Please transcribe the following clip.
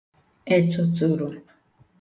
ètụ̀tụ̀rụ̀